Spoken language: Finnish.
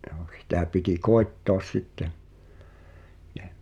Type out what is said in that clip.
joo sitä piti koettaa sitten ja